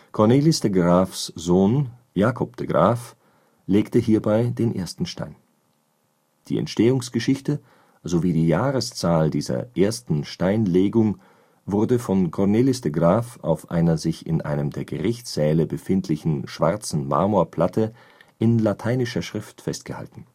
Cornelis de Graeffs Sohn Jacob de Graeff legte hierbei den ersten Stein. Die Entstehungsgeschichte sowie die Jahreszahl dieser Ersten Steinlegung wurde von Cornelis de Graeff auf einer sich in einem der Gerichtssäle befindlichen schwarzen Marmorplatte in lateinischer Schrift festgehalten